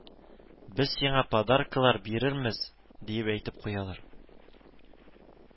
Без сиңа подаркалар бирермез , диеп әйтеп куялар